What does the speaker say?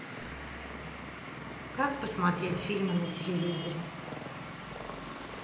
как посмотреть фильмы на телевизоре